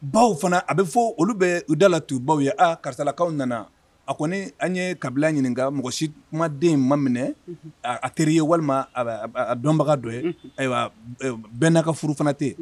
Baw fana a bɛ fɔ olu bɛ u da la tu u baw ye aaa karisalakaw nana a kɔni an ye kabila ɲininkaka mɔgɔ si kumaden in ma minɛ a teri ye walima dɔnbaga dɔ ye ayiwa bɛn n'ka furu fana tɛ